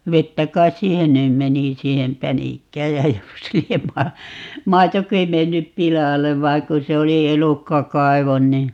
vettä kai siihen nyt meni siihen pänikkään ja jos lie - maitokin mennyt pilalle vain kun se oli elukkakaivo niin